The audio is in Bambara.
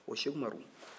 o seku umaru